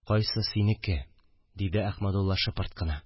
– кайсы синеке? – диде әхмәдулла, шыпырт кына